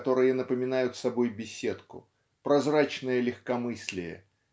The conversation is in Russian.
которые напоминают собою беседку прозрачное легкомыслие